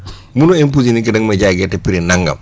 mënoo imposer nit ki da nga may jaayee gerte prix nangam